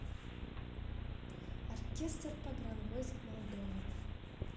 оркестр погран войск молдова